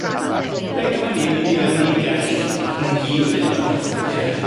Reit dyma ni'n mynd i fewn i gell, ma' nw gyd rydd fath. Ie.